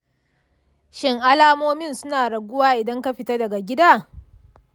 shin alamomin suna raguwa idan ka fita daga gida?